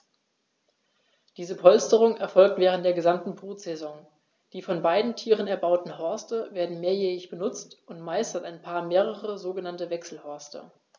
Diese Polsterung erfolgt während der gesamten Brutsaison. Die von beiden Tieren erbauten Horste werden mehrjährig benutzt, und meist hat ein Paar mehrere sogenannte Wechselhorste.